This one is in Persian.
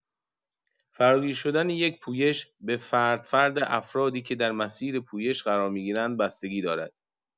فراگیر شدن یک پویش، به فرد فرد افرادی که در مسیر پویش قرار می‌گیرند بستگی دارد.